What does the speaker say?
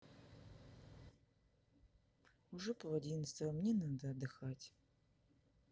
уже пол одиннадцатого мне надо отдыхать